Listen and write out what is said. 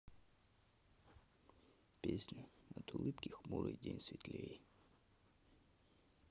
песня от улыбки хмурый день светлей